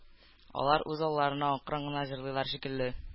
Алар үз алларына акрын гына җырлыйлар шикелле